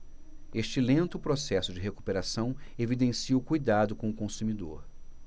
este lento processo de recuperação evidencia o cuidado com o consumidor